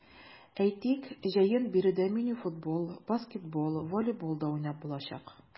Әйтик, җәен биредә мини-футбол, баскетбол, волейбол да уйнап булачак.